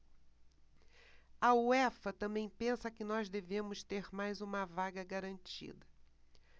a uefa também pensa que nós devemos ter mais uma vaga garantida